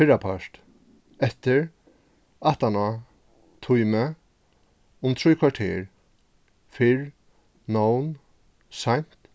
fyrrapart eftir aftaná tími um trý korter fyrr nón seint